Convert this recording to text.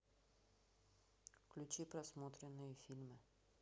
включить просмотренные фильмы